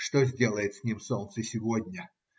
Что сделает с ним солнце сегодня?